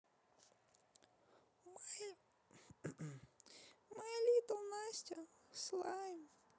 my little nastya слайм